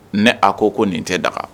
Ne a ko ko nin tɛ daga